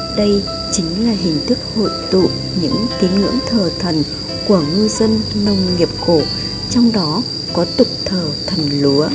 đây chính là hình thức hội tụ những tín ngưỡng thờ thần của ngư dân nông nghiệp cổ trong đó có tục thờ thần lúa